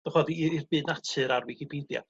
'dych 'o'd i i'r byd natur ar wicipeidia?